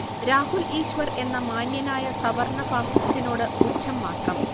രാഹുൽ ഈശ്വർ എന്ന മാന്യനായ സവർണ്ണ ഫാസിസ്റ്റ്നോട് പുച്ഛം മാത്രം